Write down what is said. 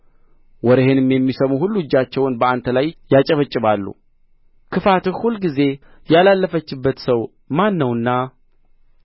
ወሬህንም የሚሰሙ ሁሉ እጃቸውን በአንተ ላይ ያጨበጭባሉ ክፋትህ ሁልጊዜ ያላለፈችበት ሰው ማን ነውና